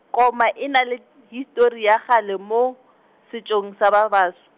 koma e na le, histori ya kgale mo, setšong sa babaso.